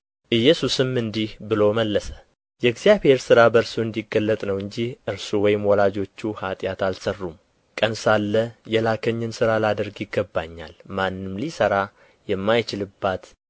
ኢየሱስም እንዲህ ብሎ መለሰ የእግዚአብሔር ሥራ በእርሱ እንዲገለጥ ነው እንጂ እርሱ ወይም ወላጆቹ ኃጢአት አልሠሩም ቀን ሳለ የላከኝን ሥራ ላደርግ ይገባኛል ማንም ሊሠራ የማይችልባት